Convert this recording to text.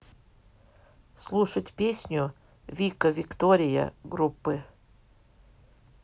слушать песню вика виктория группы